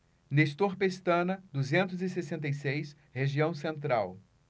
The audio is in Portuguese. nestor pestana duzentos e sessenta e seis região central